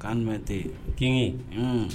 K' jum tɛ kinge